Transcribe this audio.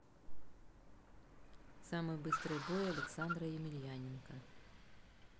самый быстрый бой александра емельяненко